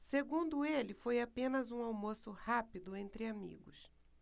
segundo ele foi apenas um almoço rápido entre amigos